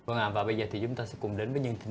vâng ạ và bây giờ thì chúng ta sẽ cùng đến với những